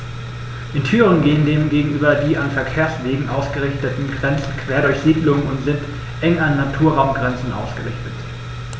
In Thüringen gehen dem gegenüber die an Verkehrswegen ausgerichteten Grenzen quer durch Siedlungen und sind eng an Naturraumgrenzen ausgerichtet.